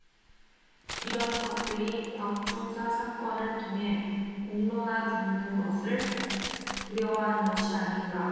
이런 것들이 곽 중사 사건을 통해 공론화되는 것을 두려워하는 것이 아닌가